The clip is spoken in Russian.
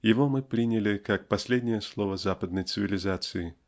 Его мы приняли как последнее слово западной цивилизации